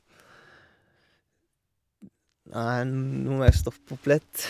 Nei, nå må jeg stoppe opp litt...